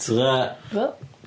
Ta- ra... Hwyl